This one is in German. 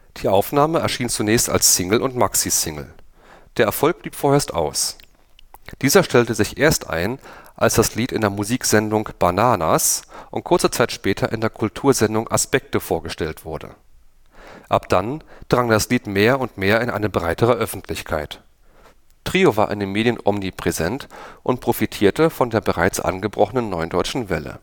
Die Aufnahme erschien dann zunächst nur als Single und Maxi-Single. Der Erfolg blieb vorerst aus. Dieser stellte sich erst ein, als das Lied in der Musiksendung „ Bananas “und kurze Zeit später in der Kultursendung Aspekte vorgestellt wurde. Ab dann drang das Lied mehr und mehr in eine breitere Öffentlichkeit. Trio war in den Medien omnipräsent und profitierte von der bereits angebrochenen Neuen Deutschen Welle